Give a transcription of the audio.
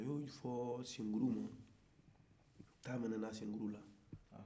a y'o fɔ senkuru la tasuma mɛnɛna senkuru la